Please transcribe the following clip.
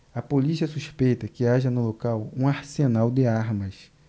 a polícia suspeita que haja no local um arsenal de armas